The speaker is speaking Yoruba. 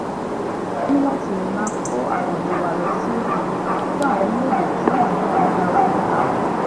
A tún ní láti lè máa kó àwọn ìwé wa lọ sí òkèèrè kí àwọn orílẹ̀-èdè tí wọ́n wà ní àyíká lè kà wọ́n.